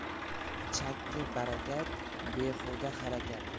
chakki barakat behuda harakat